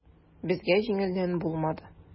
Безгә җиңелдән булмады.